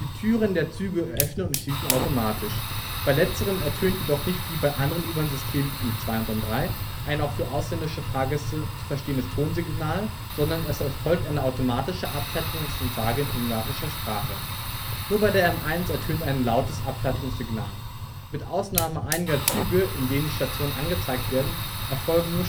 Türen der Züge öffnen und schließen automatisch. Bei letzterem ertönt jedoch nicht wie bei anderen U-Bahn-Systemen (M2 und M3) ein auch für ausländische Fahrgäste zu verstehendes Tonsignal, sondern es erfolgt eine automatische Abfertigungsansage in ungarischer Sprache. Nur bei der M1 ertönt ein lautes Abfertigungssignal. Mit Ausnahme einiger Züge, in denen die Stationen angezeigt werden, erfolgen